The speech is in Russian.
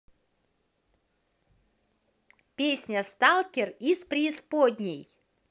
песня сталкер из преисподней